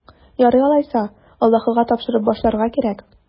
Ярый алайса, Аллаһыга тапшырып башларга кирәк.